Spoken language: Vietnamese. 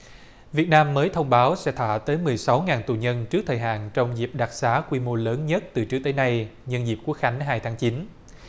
việt nam mới thông báo sẽ thả tới mười sáu ngàn tù nhân trước thời hạn trong dịp đặc xá quy mô lớn nhất từ trước tới nay nhân dịp quốc khánh hai tháng chín